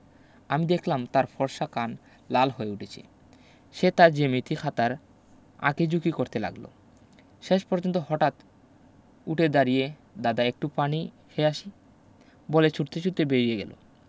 আমি দেখলাম তার ফর্সা কান লাল হয়ে উঠেছে সে তার জ্যামিতি খাতার আঁকিঝুকি করতে লাগলো শেষ পর্যন্ত হঠাৎ উটে দাড়িয়ে দাদা একটু পানি খেয়ে আসি বলে ছুটতে ছুটতে বেরিয়ে গেল